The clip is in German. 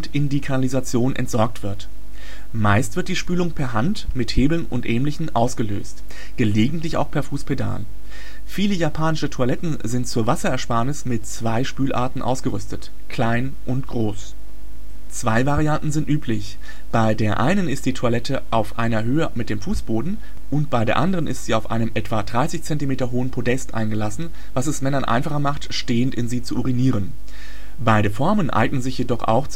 in die Kanalisation entsorgt wird. Meist wird die Spülung per Hand mit Hebeln u. ä. ausgelöst, gelegentlich auch per Fußpedal. Viele japanische Toiletten sind zur Wasserersparnis mit zwei Spülarten ausgerüstet: „ klein “und „ groß “. Zwei Varianten sind üblich: Bei der einen ist die Toilette auf einer Höhe mit dem Fußboden, und bei der anderen ist sie auf einem etwa 30 cm hohen Podest eingelassen, was es Männern einfacher macht, stehend in sie zu urinieren. Beide Formen eignen sich jedoch auch